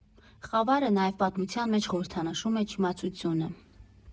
Խավարը նաև պատմության մեջ խորհրդանշում է չիմացությունը։